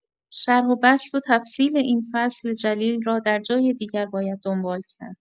شرح و بسط و تفصیل این فصل جلیل را در جای دیگر باید دنبال کرد.